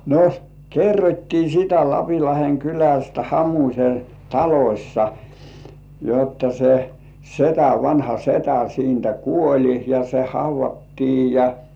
no kerrottiin sitä Lapinlahden kylästä Hamusen talossa jotta se setä vanha setä siitä kuoli ja se haudattiin ja